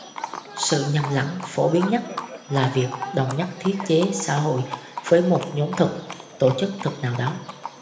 sự nhầm lẫn phổ biến nhất là việc đồng nhất thiết chế xã hội với một nhóm thực tổ chức thực nào đó